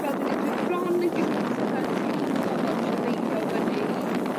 fel dwi 'di... Dwi bron yn gallu t'o' fel teimlo fo'n trafeilio fyny i